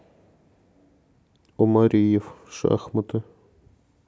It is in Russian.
омариев шахматы